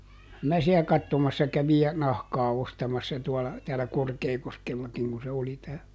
kyllä minä siellä katsomassa kävin ja nahkaa ostamassa tuolla täällä Korkeakoskellakin kun se oli tämä